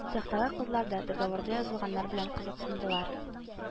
Цехтагы кызлар да договорда язылганнар белән кызыксындылар: